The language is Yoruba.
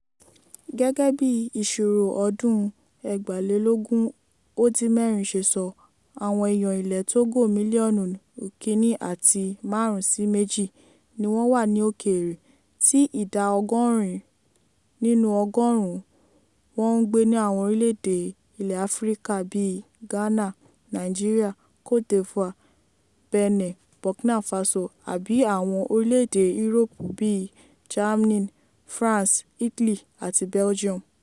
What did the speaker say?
Gẹ́gẹ́ bí ìṣirò ọdún 2016 ṣe sọ, àwọn èèyàn ilẹ̀ Togo mílíọ̀nù 1.5 sí 2 ní wọ́n wà ní òkèèrè, tí ìdá 80 nínú ọgọ́rùn-ún wọn ń gbé ní àwọn orílẹ̀-èdè ilẹ̀ Áfíríkà bíi Ghana, Nigeria, Côte d'Ivoire, Benin, Burkina Faso, àbí àwọn orílẹ̀-èdè Europe bíi Germany, France, Italy àti Belgium.